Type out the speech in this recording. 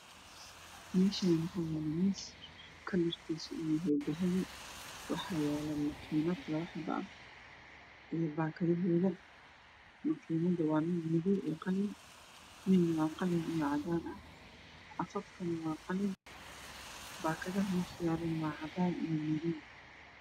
Mashan waa yalo mis wax saran makinad oo labo xalo ah kalar koden waa qalin iyo madow iyo cadan